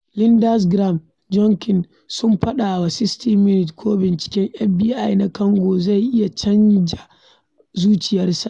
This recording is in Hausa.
Lindsey Graham, John Kennedy sun faɗa wa "60 Minutes" ko binciken FBI na Kavanaugh zai iya canza zuciyarsu.